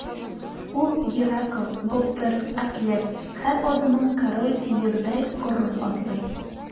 Ул – Геракл, Былтыр, атлет – һәр адымын Король Лирдай горур атлый.